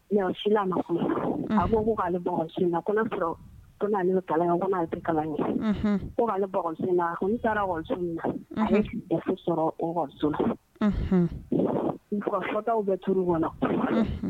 Mɛ a ko ko' sɔrɔ kalan tɛ kalan ɲɛ ko n' taaraso sɔrɔso n fataw bɛ tuuru kɔnɔ